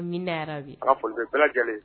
Amina yarabi, an ka foli bɛ bɛɛ lajɛlen ye